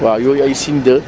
waaw yooyu ay signes de